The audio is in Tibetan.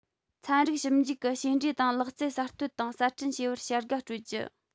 ཚན རིག ཞིབ འཇུག གི བྱས འབྲས དང ལག རྩལ གསར གཏོད དང གསར སྐྲུན བྱས པར བྱ དགའ སྤྲོད རྒྱུ